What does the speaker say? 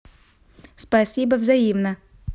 спасибо взаимно